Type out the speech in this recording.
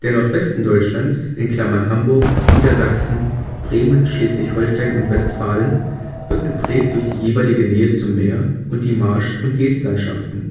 Nordwesten Deutschlands (Hamburg, Niedersachsen, Bremen, Schleswig-Holstein, Westfalen) wird geprägt durch die jeweilige Nähe zum Meer und die Marsch - und Geestlandschaften